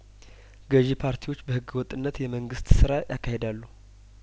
ገዢ ፓርቲዎች በህገወጥነት የመንግስት ስራ ያካሂዳሉ